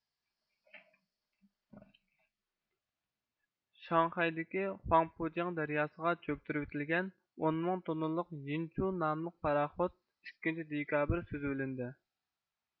شاڭخەيدىكى خۇاڭپۇجياڭ دەرياسىغا چۆكتۈرۋېتىلگەن ئونمىڭ توننىلىق يىنچۇ ناملىق پاراخوت ئىككىنچى دېكابىر سۈزىۋېلىندى